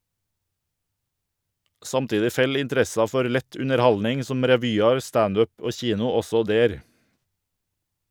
Samtidig fell interessa for lett underhaldning som revyar, stand up og kino også der.